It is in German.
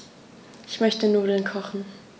Ich möchte Nudeln kochen.